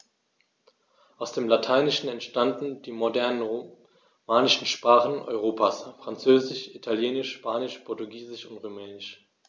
Aus dem Lateinischen entstanden die modernen „romanischen“ Sprachen Europas: Französisch, Italienisch, Spanisch, Portugiesisch und Rumänisch.